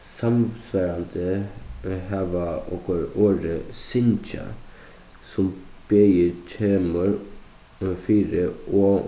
samsvarandi hava okur orðið syngja sum bæði kemur fyri og